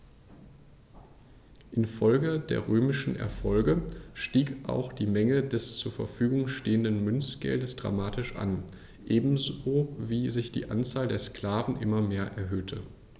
Infolge der römischen Erfolge stieg auch die Menge des zur Verfügung stehenden Münzgeldes dramatisch an, ebenso wie sich die Anzahl der Sklaven immer mehr erhöhte.